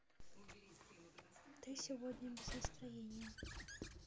ты сегодня без настроения